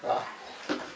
waaw